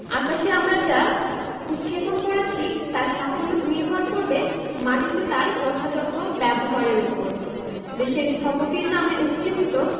আকাশে আমরা যা উৎক্ষেপণ করেছি তার সাফল্য নির্ভর করবে মাটিতে তার যথাযথ ব্যবহারের ওপর দেশের স্থপতির নামে উৎক্ষেপিত